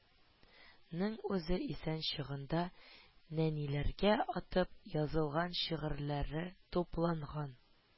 Нең үзе исән чагында нәниләргә атап язылган шигырьләре тупланган